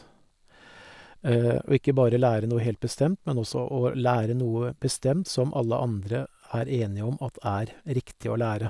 Og ikke bare lære noe helt bestemt, men også å lære noe bestemt som også alle andre er enig om at er riktig å lære.